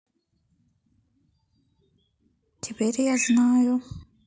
теперь я знаю